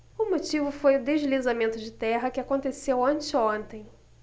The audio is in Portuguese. o motivo foi o deslizamento de terra que aconteceu anteontem